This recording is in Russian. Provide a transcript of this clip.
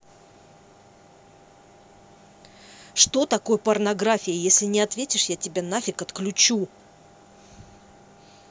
что такое порнография если не ответишь я тебе на фиг отключу